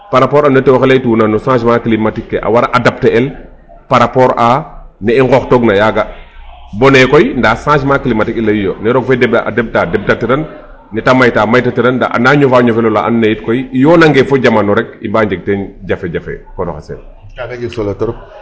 Ndaa changement climatique i layu yo ne roog fe deɓta deɓtatiran, ne ta mayta maytatiran ndaa a naa ñofaa o ñofel ola andna yee yit koy i yoonangee fo jamano rek i mba njeg teen jafe jafe koor oxe séne.